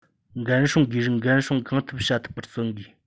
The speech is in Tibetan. འགན སྲུང དགོས རིགས འགན སྲུང གང ཐུབ བྱ ཐུབ པར བརྩོན དགོས